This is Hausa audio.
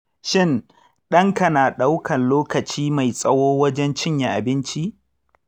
shin ɗan ka na ɗaukan lokacin mai tsawo wajen cinye abinci?